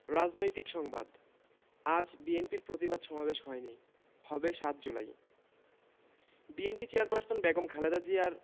রাজনৈতিক সংবাদ আজ বিএনপির প্রতিবাদ সমাবেশ হয়নি হবে ৭ July BNP chairperson Begum Khaleda জিয়ার